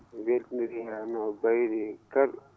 mi weltinirii Amadou Baydy Kane